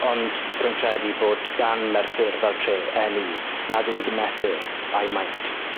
Ond rwy'n credu bod gan Merthyr fel tre enw nad yw'n gymesur a'i maint.